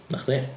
'Na chdi.